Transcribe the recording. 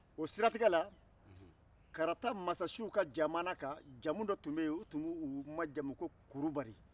o siratigɛ la karata mansasiw ka jamu dɔ tun bɛ yen u tun b'u majamun ko kulubali